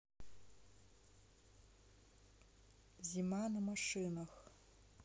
зима на машинах